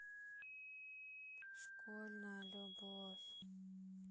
школьная любовь